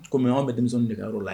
Comme anw bɛ denmisɛnninw de ka yɔrɔ la